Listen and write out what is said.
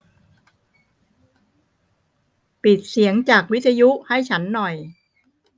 ปิดเสียงจากวิทยุให้ฉันหน่อย